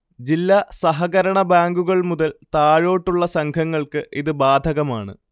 ജില്ലാ സഹകരണ ബാങ്കുകൾമുതൽ താഴോട്ടുള്ള സംഘങ്ങൾക്ക് ഇത് ബാധകമാണ്